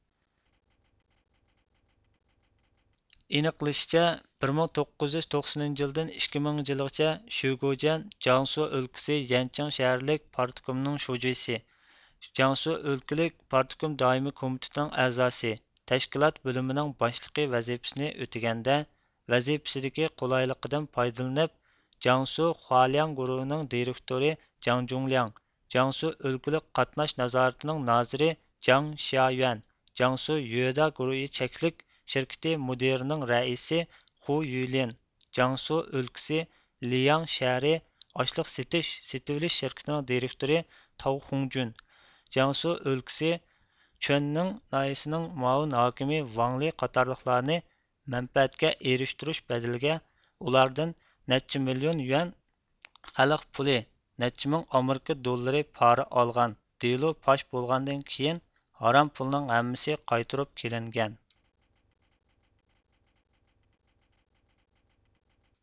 ئېنىقلىشىچە بىر مىڭ توققۇز يۈز توقسەنىنچى يىلىدىن ئىككى مىڭىنچى يىلىغىچە شۈگوجيەن جياڭسۇ ئۆلكىسى يەنچېڭ شەھەرلىك پارتكومنىڭ شۇجىسى جياڭسۇ ئۆلكىلىك پارتكوم دائىمىي كومىتېتىنىڭ ئەزاسى تەشكىلات بۆلۈمىنىڭ باشلىقى ۋەزىپىسىنى ئۆتىگەندە ۋەزىپىسىدىكى قۇلايلىقىدىن پايدىلىنىپ جياڭسۇ خۇالياڭ گۇرۇھىنىڭ دىرېكتورى جاڭجۇڭلياڭ جياڭسۇ ئۆلكىلىك قاتناش نازارىتىنىڭ نازىرى جاڭشيايۈەن جياڭسۇ يۆدا گۇرۇھى چەكلىك شىركىتى مۇدىرىنىڭ رەئىسى خۇيۇلىن جياڭسۇ ئۆلكىسى لىياڭ شەھىرى ئاشلىق سېتىش سېتىۋېلىش شىركىتىنىڭ دېرىكتورى تاۋخۇڭجۈن جياڭسۇ ئۆلكىسى چۈەننىڭ ناھىيىسىنىڭ مۇئاۋىن ھاكىمى ۋاڭلى قاتارلىقلارنى مەنپەئەتكە ئېرىشتۈرۈش بەدىلىگە ئۇلاردىن نەچچە مىليون يۈەن خەلق پۇلى نەچچە مىڭ ئامېرىكا دوللىرى پارا ئالغان دېلو پاش بولغاندىن كېيىن ھارام پۇلنىڭ ھەممىسى قايتۇرۇپ كېلىنگەن